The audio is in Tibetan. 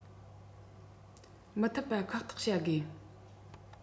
མི ཐུབ པ ཁག ཐེག བྱ དགོས